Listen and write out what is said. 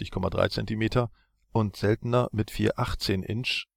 ≈53,3 cm) und seltener mit vier 18 Inch